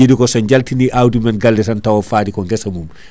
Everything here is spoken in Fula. jiiɗi koso jaltini awdi mumen galle tan tawa faari ko guessa mum